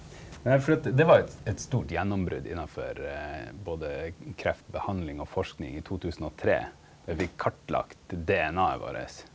nei fordi at det var eit eit stort gjennombrot innanfor både kreftbehandling og forsking i 2003 der vi fekk kartlagt DNA-et vårt.